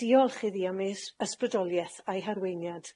Diolch iddi am ei hys- ysbrydolieth a'i harweiniad.